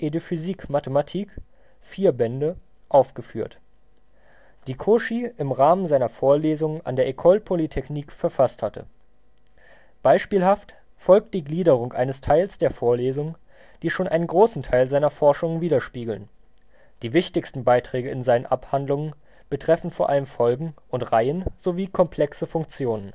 de physique mathématique (4 Bände) aufgeführt, die Cauchy im Rahmen seiner Vorlesungen an der École Polytechnique verfasst hatte. Beispielhaft folgt die Gliederung eines Teils der Vorlesungen, die schon einen großen Teil seiner Forschungen widerspiegeln. Die wichtigsten Beiträge in seinen Abhandlungen betreffen vor allem Folgen und Reihen sowie komplexe Funktionen